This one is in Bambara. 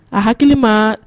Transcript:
A hakili ma